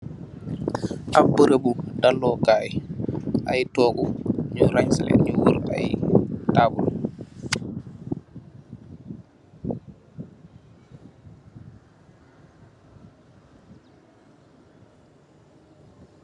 Ap barabu dallu kai, ay toguh ñu ransileh ñu war ay tabull .